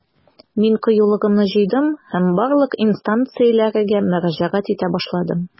Мин кыюлыгымны җыйдым һәм барлык инстанцияләргә мөрәҗәгать итә башладым.